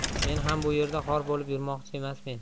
men ham bu yerda xor bo'lib yurmoqchi emasmen